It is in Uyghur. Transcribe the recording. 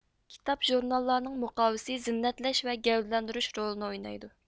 كىتاب ژۇرناللارنىڭ مۇقاۋىسى زىننەتلەش ۋە گەۋدىلەندۈرۈش رولىنى ئوينايدۇ